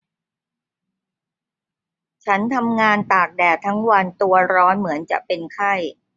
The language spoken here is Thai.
ฉันทำงานตากแดดทั้งวันตัวร้อนเหมือนจะเป็นไข้